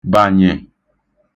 bànyè